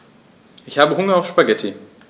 Ich habe Hunger auf Spaghetti.